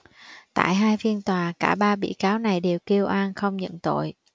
tại hai phiên tòa cả ba bị cáo này đều kêu oan không nhận tội